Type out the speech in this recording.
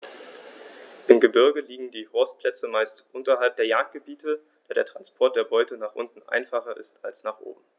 Im Gebirge liegen die Horstplätze meist unterhalb der Jagdgebiete, da der Transport der Beute nach unten einfacher ist als nach oben.